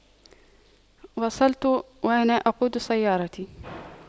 وصلت وأنا أقود سيارتي